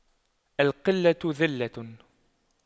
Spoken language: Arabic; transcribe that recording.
القلة ذلة